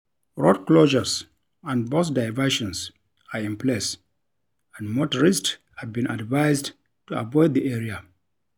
Road closures and bus diversions are in place and motorists have been advised to avoid the area.